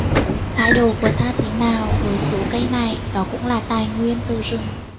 thái độ của ta thế nào với số cây này đó cũng là tài nguyên từ rừng